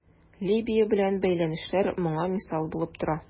Либия белән бәйләнешләр моңа мисал булып тора.